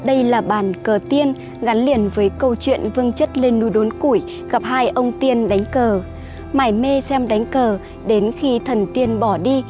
đây là bàn cờ tiên gắn liền với câu chuyện vương chất nên núi đốn củi gặp ông tiên đánh cờ mải mê xem đánh cờ đến khi thần tiên bỏ đi